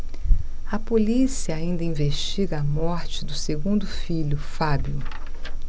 a polícia ainda investiga a morte do segundo filho fábio